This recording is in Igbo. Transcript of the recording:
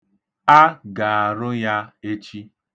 A ga-arụ ya echi.